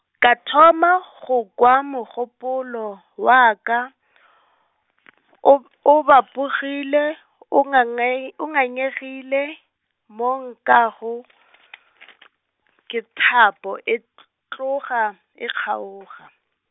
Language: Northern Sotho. ka thoma go kwa mogopolo, wa ka , o b-, o bapogile, o ngange-, o ngangegile, mo nkwago , ke thapo, e t- tloga e kgaoga.